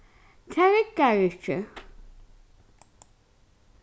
tað riggar ikki